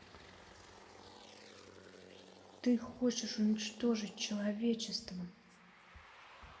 ты хочешь уничтожить человечество